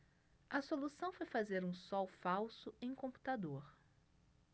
a solução foi fazer um sol falso em computador